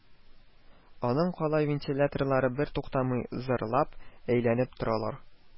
Аның калай вентиляторлары бертуктамый зыр-лап әйләнеп торалар